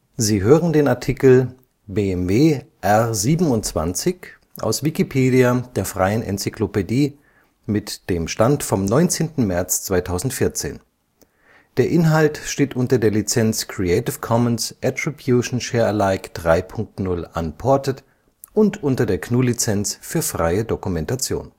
Sie hören den Artikel BMW R 27, aus Wikipedia, der freien Enzyklopädie. Mit dem Stand vom Der Inhalt steht unter der Lizenz Creative Commons Attribution Share Alike 3 Punkt 0 Unported und unter der GNU Lizenz für freie Dokumentation